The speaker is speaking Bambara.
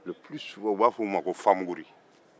u b'a f'o ma ko fanbuguri